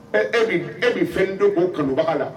E bɛ fɛn don o kanubaga la